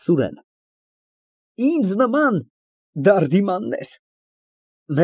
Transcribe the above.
ՍՈՒՐԵՆ ֊ Ինձ նման դարդիմանները։